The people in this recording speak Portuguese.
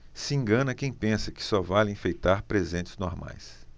se engana quem pensa que só vale enfeitar presentes normais